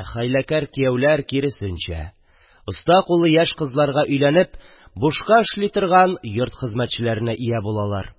ә хәйләкәр кияүләр, киресенчә, оста куллы яшь кызларга өйләнеп, бушка эшли торган йорт хезмәтчеләренә ия булалар.